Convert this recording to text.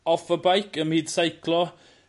off y beic ym myd seiclo.